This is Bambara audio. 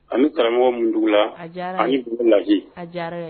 Ani karamɔgɔ mun duguu la ani b lahi